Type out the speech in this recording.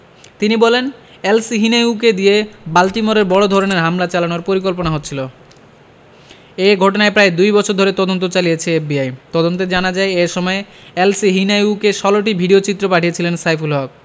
তিনি বলেন এলসহিনাইউকে দিয়ে বাল্টিমোরে বড় ধরনের হামলা চালানোর পরিকল্পনা হচ্ছিল এ ঘটনায় প্রায় দুই বছর ধরে তদন্ত চালিয়েছে এফবিআই তদন্তে জানা যায় এ সময় এলসহিনাউইকে ১৬টি ভিডিওচিত্র পাঠিয়েছিলেন সাইফুল হক